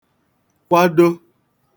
kwado